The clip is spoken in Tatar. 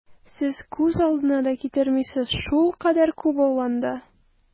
Сез күз алдына да китермисез, шулкадәр күп ул анда!